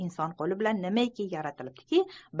inson qoli bilan nimaiki yaratilibdi